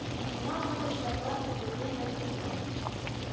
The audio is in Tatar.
Шуңа мондый штаблар төзергә мәҗбүрләр